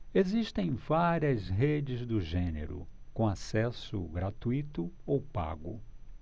existem várias redes do gênero com acesso gratuito ou pago